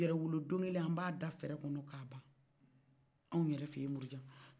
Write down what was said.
yɛrɛwolo donkili an ba da fɛrɛkɔnɔ k'a ba anw yɛrɛ fenw murujan